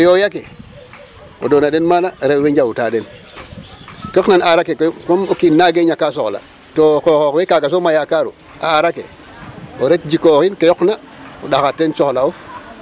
A yooy ake o doon a den maana rew we njawtaa den ke yoqna aar ake koy moom o kiin nangee ñakaa soxla to xooxoox we kaaga soom a yakaaru a aar ake ret jikooxin ke yoqna ret ɗaxaa teen soxla'of.